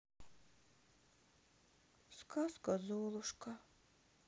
сказка золушка